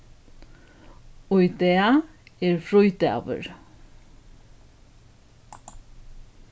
í dag er frídagur